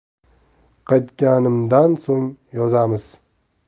qaytganimdan so'ng yozamiz